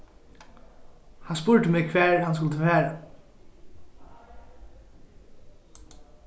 hann spurdi meg hvar hann skuldi fara